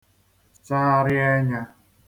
chagharị ẹnyā